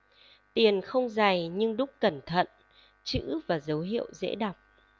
tiền không dày nhưng đúc cẩn thận chữ và dấu hiệu dễ đọc